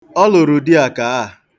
Ọ lụrụ di akaaa.